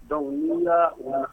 Donc ni ya wuli